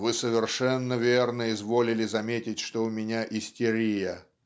"Вы совершенно верно изволили заметить, что у меня истерия.